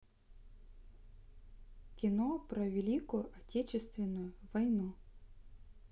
кино про великую отечественную войну